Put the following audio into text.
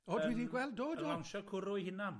yym... O, dwi 'di gweld, do, do! Yn lawnsio cwrw ei hunan.